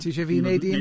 Tisio fi wneud un?